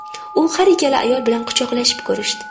u har ikkala ayol bilan quchoqlashib ko'rishdi